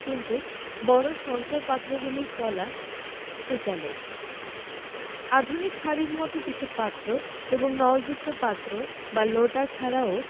কিন্তু বড় সঞ্চয় পাত্রগুলির তলা সূচালো আধুনিক হাড়ির মতো কিছু পাত্র এবং নলযুক্ত পাত্র বা লোটা ছাড়াও